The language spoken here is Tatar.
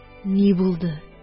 Ни булды